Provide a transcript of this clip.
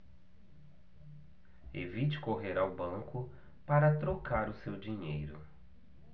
evite correr ao banco para trocar o seu dinheiro